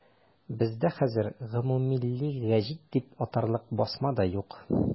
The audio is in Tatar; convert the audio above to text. Бездә хәзер гомуммилли гәҗит дип атарлык басма да юк.